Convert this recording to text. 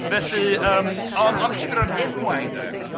Felly yym ond... ond hefyd o'r enwau 'de...